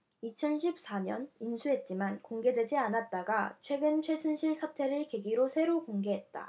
이천 십 사 년 입수했지만 공개되지 않았다가 최근 최순실 사태를 계기로 새로 공개했다